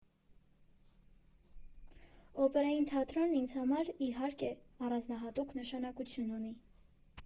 Օպերային թատրոնն ինձ համար, իհարկե, առանձնահատուկ նշանակություն ունի։